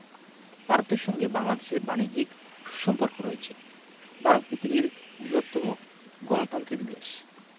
ভারতের সঙ্গে বাংলাদেশের বানিজ্যিক সু সম্পর্ক রয়েছে ভারত পিতিবীর বৃহত্তম গণতান্ত্রিক দেশ